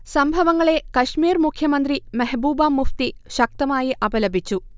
സംഭവങ്ങളെ കശ്മീർ മുഖ്യമന്ത്രി മെഹ്ബൂബ മുഫ്തി ശക്തമായി അപലപിച്ചു